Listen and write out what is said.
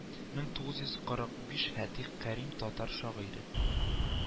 Мең тугыз йөз кырык биш фатих кәрим, татар шагыйре